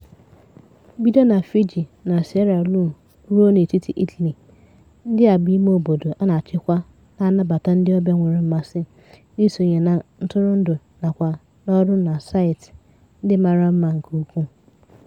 Bido na Fiji na Sierra Leone ruo n'etiti Italy, ndị a bụ imeobodo a na-achịkwa na-anabata ndị ọbịa nwere mmasị n'isonye na ntụrụndụ nakwa n'ọrụ na saịtị ndị mara mma nke ukwuu.